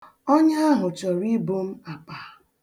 Ọnya ahụ chọrọ ibo m apa.